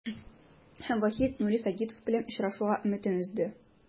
Һәм Вахит Нури Сагитов белән очрашуга өметен өзде.